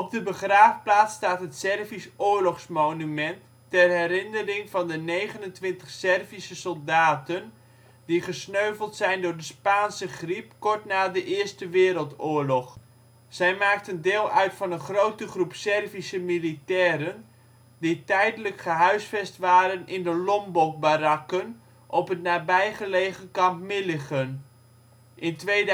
de begraafplaats staat het Servisch oorlogsmonument, ter herinnering van de 29 Servische soldaten, die gesneuveld zijn door de Spaanse griep kort na de Eerste Wereldoorlog. Zij maakten deel uit van een grote groep Servische militairen, die tijdelijk gehuisvest waren in de ‘Lombok’ barakken op het nabijgelegen Kamp Milligen. In 2007